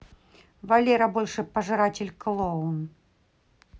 валера больше пожиратель клоун